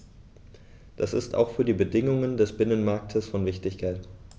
Das ist auch für die Bedingungen des Binnenmarktes von Wichtigkeit.